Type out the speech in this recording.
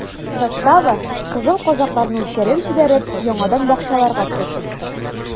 Застава, кызыл казакларны үткәреп җибәреп, яңадан бакчаларга кереп посты.